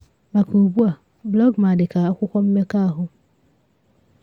Maka ugbu a, Blogoma dị ka akwụkwọ mmekọ àhụ́.